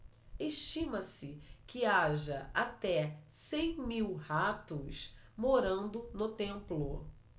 estima-se que haja até cem mil ratos morando no templo